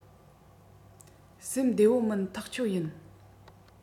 སེམས བདེ པོ མིན ཐག ཆོད ཡིན